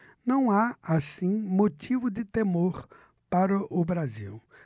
não há assim motivo de temor para o brasil